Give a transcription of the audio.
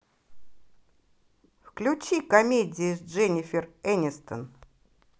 включи комедии с дженнифер энистон